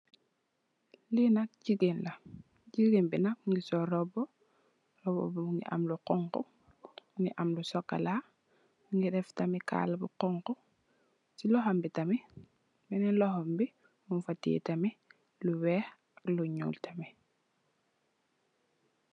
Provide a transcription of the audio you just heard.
Li nak jigéen la , jigéen bi na mungi sol robbu. Robbu bi mungi am lu honku, mungi am lu sokola, mungi def tamit kala bu honku. Ci lohom bi tamit benen lohom bi mung fa tè tamit lu weeh ak lu ñuul tamit.